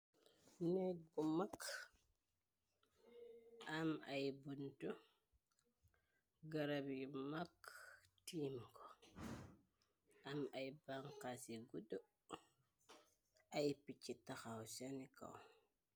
Neeg bu maag am ay bunta garab yi magg tiim ko am ay banxas yi gudda ay picci taxaw seni kaw.